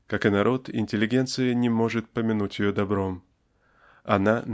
Как и народ, интеллигенция не может помянуть ее добром. Она